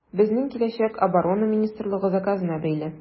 Безнең киләчәк Оборона министрлыгы заказына бәйле.